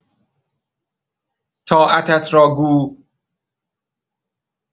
طاعتت را گو